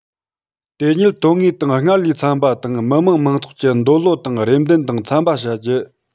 དེ ཉིད དོན དངོས དང སྔར ལས འཚམ པ དང མི དམངས མང ཚོགས ཀྱི འདོད བློ དང རེ འདུན དང འཚམ པ བྱ རྒྱུ